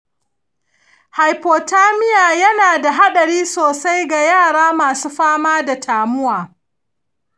hypothermia yana da haɗari sosai ga yara masu fama da tamowa.